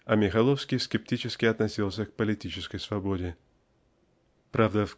а Михайловский скептически относился к политической свободе. Правда